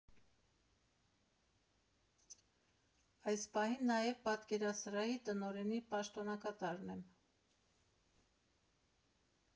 Այս պահին նաև պատկերասրահի տնօրենի պաշտոնակատարն եմ։